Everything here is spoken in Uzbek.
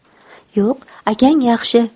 yo'q akang yaxshi